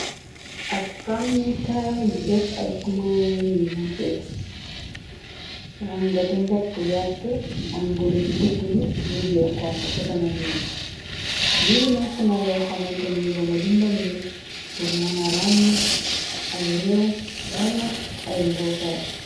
Ab xammi kaay bu def ay kulor yu wuute, ranga ca njekk wert gu am bula ci digg bi mujje xonxo ca baneen werga, lii nekk na loo xamonteni dana dimbale nit pur mëna raññ ay réew wala ay mbootaay.